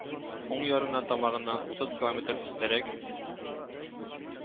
Уң ярына тамагыннан утыз километр өстәрәк